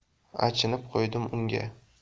achinib qo'ydim unga